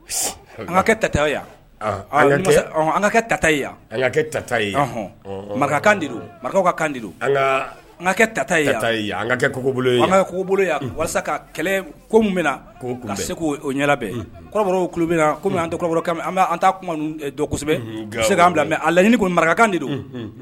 An tata yan ka kɛ tata yanɔn marakakan ka kan tata an yan walasa ka kɛlɛ ko bɛ bɛ se k' kɔmi an ansɛbɛ se bila a laɲini ko marakakan de don